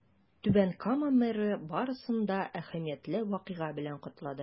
Түбән Кама мэры барысын да әһәмиятле вакыйга белән котлады.